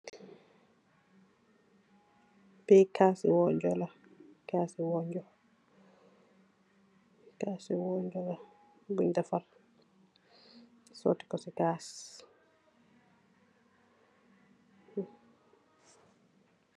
Lee kaasi wonjo, kasse wonjo, kasse wonjo la bunge defar sotiko si kaas.